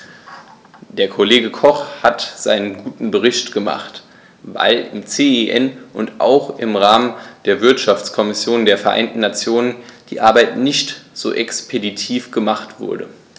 Der Kollege Koch hat seinen guten Bericht gemacht, weil im CEN und auch im Rahmen der Wirtschaftskommission der Vereinten Nationen die Arbeit nicht so expeditiv gemacht wurde.